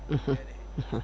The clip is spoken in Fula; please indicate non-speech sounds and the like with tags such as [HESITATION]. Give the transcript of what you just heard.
[HESITATION] [HESITATION]